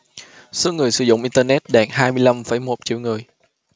số người sử dụng internet đạt hai mươi lăm phẩy một triệu người